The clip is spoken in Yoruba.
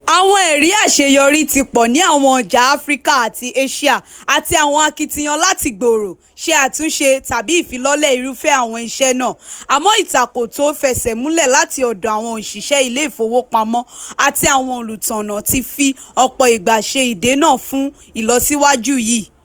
Àwọn ẹ̀rí àṣeyọrí ti pọ̀ ní àwọn ọjà Africa àti Asia, àti àwọn akitiyan láti gboòrò, ṣe àtúnṣe tàbí ìfilọ́lẹ̀ irúfẹ́ àwọn iṣẹ́ náà, àmọ́ ìtakò tó fẹsẹ̀ múlẹ̀ látí ọ̀dọ̀ àwọn òṣìṣẹ́ ílé ìfowópamọ́ àtí àwọn olùtọ̀nà ti fi ọ̀pọ̀ igbà ṣe ìdènà fún ìlọsíwájú yìí.